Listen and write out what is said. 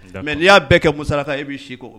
N'i y'a bɛɛ kɛ kunsala kan i b'i si kɔ